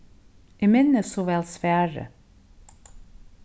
eg minnist so væl svarið